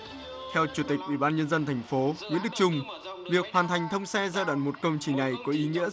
theo chủ tịch ủy ban nhân dân thành phố nguyễn đức chung việc hoàn thành thông xe giai đoạn một công trình này có ý nghĩa rất